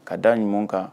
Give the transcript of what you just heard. Ka da ɲuman kan